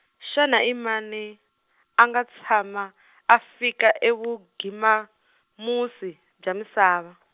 xana i mani, a nga tshama , a fika evugima musi bya misava?